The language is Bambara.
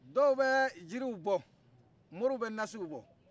dow bɛ jiriw bɔ moriw bɛ nasiw bɔ